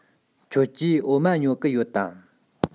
ཁྱོད ཀྱིས འོ མ ཉོ གི ཡོད དམ